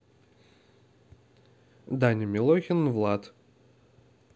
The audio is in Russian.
даня милохин влад